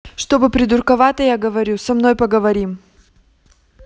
чтобы придурковато я говорю со мной поговорим